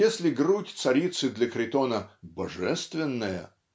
Если грудь царицы для Критона -- "божественная"